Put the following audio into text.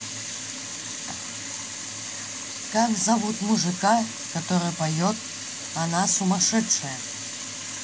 как зовут мужика который поет она сумасшедшая